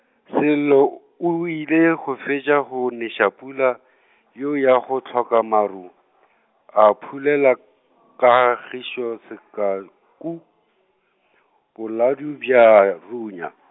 Sello o ile go fetša go neša pula , yeo ya go hloka maru, a phulela, Kagišo sekaku, boladu bja runya.